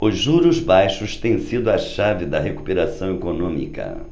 os juros baixos têm sido a chave da recuperação econômica